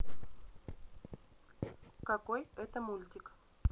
какой это мультик